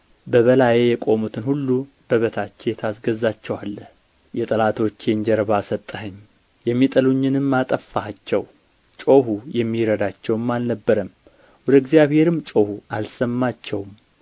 በበላዬ የቆሙትን ሁሉ በበታቼ ታስገዛቸዋለህ የጠላቶቼን ጀርባ ሰጠኸኝ የሚጠሉኝንም አጠፋሃቸው ጮኹ የሚረዳቸውም አልነበረም ወደ እግዚአብሔርም ጮኹ አልሰማቸውም